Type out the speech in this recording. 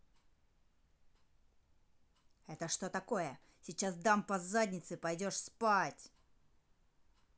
это что такое сейчас дам по заднице пойдешь спать